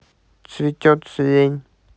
цветет сирень